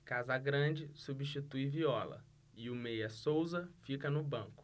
casagrande substitui viola e o meia souza fica no banco